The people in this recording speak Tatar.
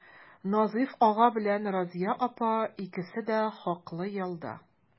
Назыйф ага белән Разыя апа икесе дә хаклы ялда.